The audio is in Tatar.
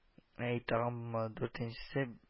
Әй, тагын бумады... дүртенчесе